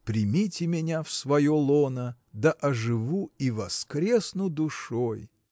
примите меня в свое лоно, да оживу и воскресну душой!